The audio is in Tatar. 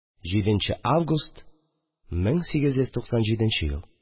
7 нче август, 1897 ел